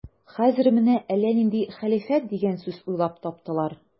Хәзер менә әллә нинди хәлифәт дигән сүз уйлап таптылар.